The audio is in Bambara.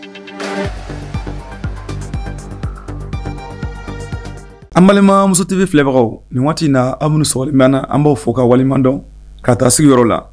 An balima musotigibi filɛbagaw nin waati in na ami s sɔli mɛn an b'o fɔ fo ka walima dɔn ka taa sigiyɔrɔ yɔrɔ la